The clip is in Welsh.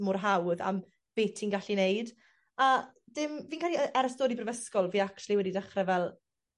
mor hawdd am be' ti'n gallu neud. A dim... Fi'n credu yy ers dod i brifysgol fi actually wedi dechre fel